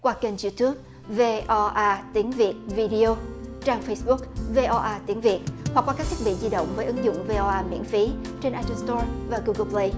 qua kênh diu túp vê o a tiếng việt vi đê ô trang phây búc vê o a tiếng việt hoặc qua các thiết bị di động với ứng dụng vê ô a miễn phí trên ai tun sờ to và gu gồ pờ lây